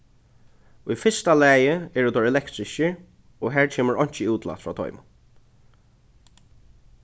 í fyrsta lagi eru teir elektriskir og har kemur einki útlát frá teimum